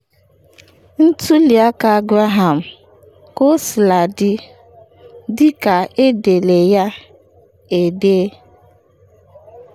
Ntuli aka Graham, kosiladị, dịka edeela ya ede.